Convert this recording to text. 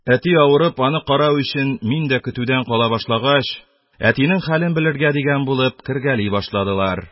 Әти авырып, аны карау өчен мин дә көтүдән кала башлагач, әтинең хәлен белергә дигән булып кергәли башладылар